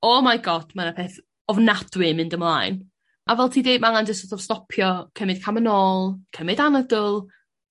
oh my God ma' 'na peth ofnadwy yn mynd ymlaen, a fel ti deud ma' angan jys so't of stopio, cymyd cam yn ôl, cymyd anadl.